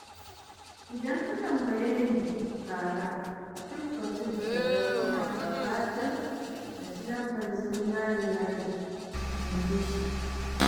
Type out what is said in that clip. “Idan da ka tambayeni bara, duk batun ‘ina bukatan na ci lambar zinariya ne’, inji shi.